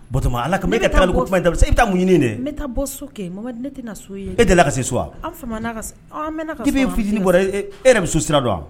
Batoma Ala kama e ka tagali ko kuma in dabila sa e be taa mun ɲini ye ne n bɛ taa bɔ so kɛ Momɛdi ne te na so ye e delila ka se so wa an famana ka s ɔn an mɛna ka sɔrɔ depuis e fitini bɔra e e yɛrɛ be so sira dɔn a